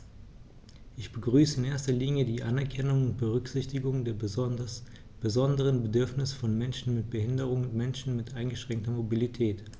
Ich begrüße in erster Linie die Anerkennung und Berücksichtigung der besonderen Bedürfnisse von Menschen mit Behinderung und Menschen mit eingeschränkter Mobilität.